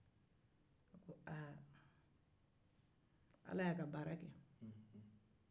a ko ala y'a ka baara kɛ